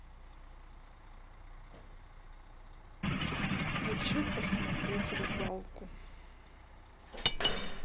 хочу посмотреть рыбалку